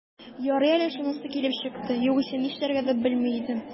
Ярый әле шунысы килеп чыкты, югыйсә, нишләргә дә белми идем...